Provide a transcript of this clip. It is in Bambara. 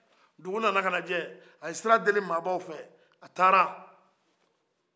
dugu nana kana jɛ a ye sira deli mɔgɔbaw fɛ a tara